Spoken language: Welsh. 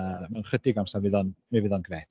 yy mewn chydig o amser fydd o'n... mi fydd o'n grêt.